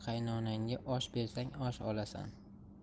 qaynonaga osh bersang osh olasan